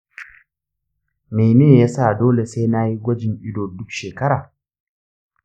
mene yasa dole sai nayi gwajin ido duk shekara?